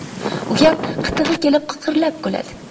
ukam qitig'i kelib qiqirlab kuladi